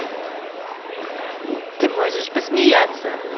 ты можешь посмеяться